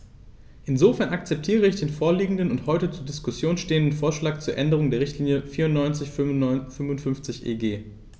Insofern akzeptiere ich den vorliegenden und heute zur Diskussion stehenden Vorschlag zur Änderung der Richtlinie 94/55/EG.